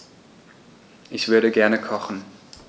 Ich würde gerne kochen.